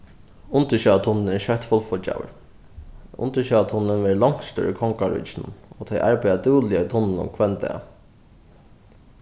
undirsjóvartunnilin er skjótt fullfíggjaður undirsjóvartunnilin verður longstur í kongaríkinum og tey arbeiða dúgliga í tunlinum hvønn dag